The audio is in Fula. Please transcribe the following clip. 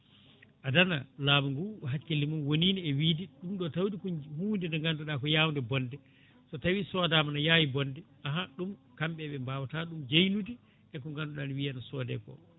adana laamu ngu hakkille mum woni e wiide ɗum ɗo tawde ko hunde nde ganduɗa ko yawde bonde so tawi sodama no yawi bonde ahan ɗum kamɓe ɓe mbawata ɗum jeynude eko ganduɗa ne wiiye ne soode ko